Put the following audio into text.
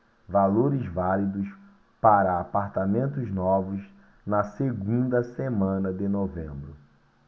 valores válidos para apartamentos novos na segunda semana de novembro